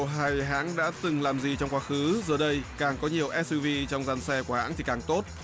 hay hãng đã từng làm gì trong quá khứ giờ đây càng có nhiều ét iu vi trong dàn xe của hãng thì càng tốt